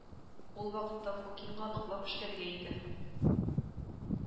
Ул вакытта Фокинга ныклап эшләргә иде